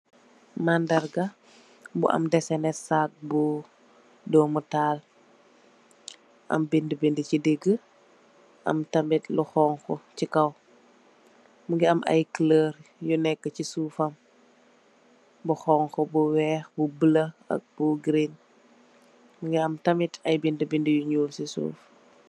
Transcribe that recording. Madarga bu am desene sagg bu domu taal am bede bede se dege am tamin lu xonxo se kaw muge am aye koloor yu neka se suufam bu xonxo bu weex bu bulo ak bu girin muge am tamin aye bede bede yu nuul se suuf.